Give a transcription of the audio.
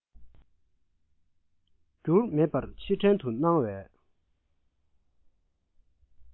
འགྱུར མེད པར ཕྱིར དྲན དུ སྣང བའི